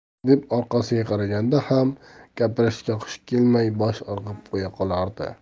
deb orqasiga qaraganda ham gapirishga hushi kelmay bosh irg'ab qo'ya qolardi